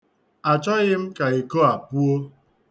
Achọghị m ka iko a puo.